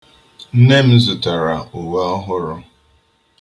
Nne m zụtara uwe ọhụrụ.